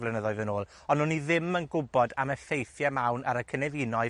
flynyddoedd yn ôl, ond o'n i ddim yn gwbod am effeithie mawn ar y cynefinoedd